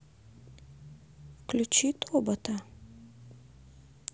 включи тобота